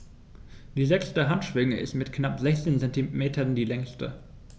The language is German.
Die sechste Handschwinge ist mit knapp 60 cm die längste.